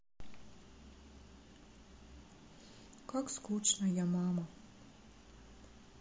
как скучно я мама